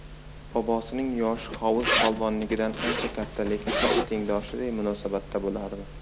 bobosining yoshi hovuz polvonnikidan ancha katta lekin xuddi tengdoshday munosabatda bo'lardi